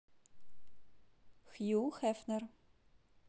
хью хефнер